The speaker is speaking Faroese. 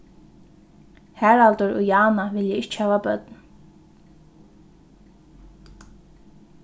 haraldur og jana vilja ikki hava børn